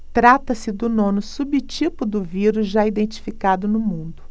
trata-se do nono subtipo do vírus já identificado no mundo